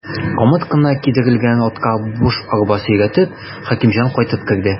Камыт кына кидерелгән атка буш арба сөйрәтеп, Хәкимҗан кайтып керде.